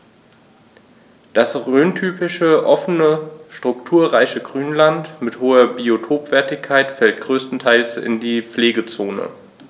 Das rhöntypische offene, strukturreiche Grünland mit hoher Biotopwertigkeit fällt größtenteils in die Pflegezone.